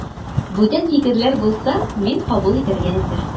Бүтән фикерләр булса, мин кабул итәргә әзер.